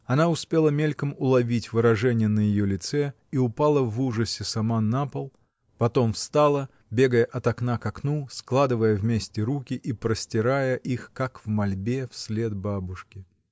Она успела мельком уловить выражение на ее лице и упала в ужасе сама на пол, потом встала, бегая от окна к окну, складывая вместе руки и простирая их, как в мольбе, вслед бабушке.